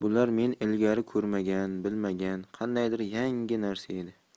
bular men ilgari ko'rmagan bilmagan qandaydir yangi narsa edi